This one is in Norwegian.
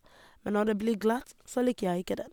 Men når det blir glatt, så liker jeg ikke den.